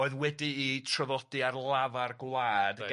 Oedd wedi'u traddodi ar lafar gwlad